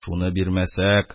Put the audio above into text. Шуны бирмәсәк,